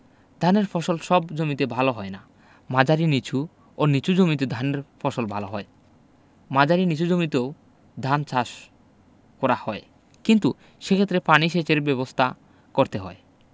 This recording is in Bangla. ধানের ফসল সব জমিতে ভালো হয় না মাঝারি নিচু ও নিচু জমিতে ধানের ফসল ভালো হয় মাঝারি নিচু জমিতেও ধান চাষ করা হয় কিন্তু সেক্ষেত্রে পানি সেচের ব্যাবস্থা করতে হয়